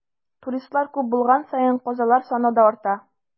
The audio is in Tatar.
Туристлар күп булган саен, казалар саны да арта.